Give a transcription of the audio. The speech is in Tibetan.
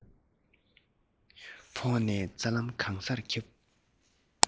ཕོ བ ནས རྩ ལམ གང སར ཁྱབ